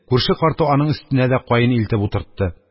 Күрше карты аның өстенә дә каен илтеп утыртты.